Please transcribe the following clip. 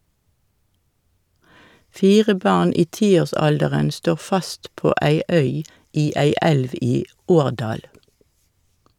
Fire barn i tiårsalderen står fast på ei øy i ei elv i Årdal.